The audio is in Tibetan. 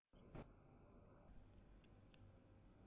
ཡིག ཚད གཏོང བ